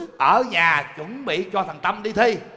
ở nhà chuẩn bị cho thằng tâm đi thi